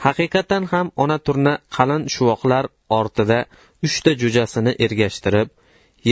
haqiqatan ham ona turna qalin shuvoqlar ortida uchta jo'jasini ergashtirib